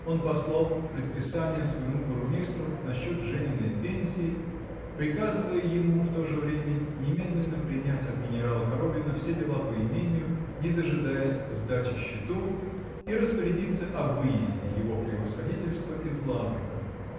Он послал предписание своему бурмистру насчет жениной пенсии, приказывая ему в то же время немедленно принять от генерала Коробьина все дела по имению, не дожидаясь сдачи счетов, и распорядиться о выезде его превосходительства из Лавриков